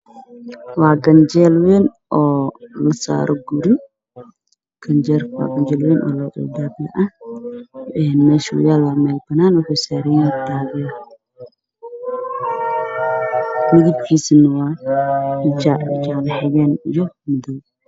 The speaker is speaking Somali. Waa ganjeel wayn oo lasaaro guri, waa ganjeel wayn oo labo albaab leh meesha uu yaalana waa meel banaan ah, waxuu saaran yahay darbi midabkiisu waa jaale xegeen iyo madow.